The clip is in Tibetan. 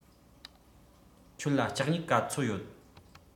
ཁྱོད ལ ལྕགས སྨྱུག ག ཚོད ཡོད